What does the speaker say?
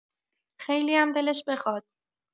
خیلیم دلش بخواد.